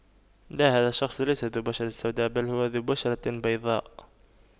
لا هذا الشخص ليس ذو بشرة سوداء بل هو ذو بشرة بيضاء